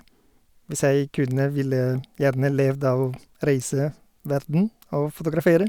Hvis jeg kunne, ville jeg gjerne levd av å reise verden og fotografere.